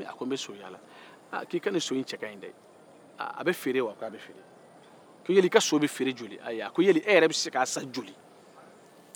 ayi a ko e yɛrɛ bɛ se k'a san joli